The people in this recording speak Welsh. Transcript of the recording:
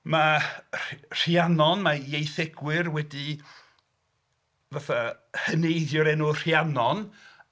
Mae Rh- Rhiannon, mae ieithegwyr wedi fatha heneiddio'r enw Rhiannon...